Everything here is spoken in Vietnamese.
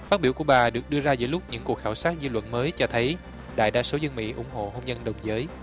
phát biểu của bà được đưa ra giữa lúc những cuộc khảo sát dư luận mới cho thấy đại đa số dân mỹ ủng hộ hôn nhân đồng giới